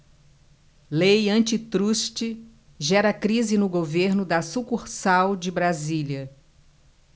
lei antitruste gera crise no governo da sucursal de brasília